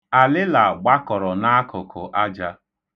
Alịla gbakọrọ n'akụkụ aja.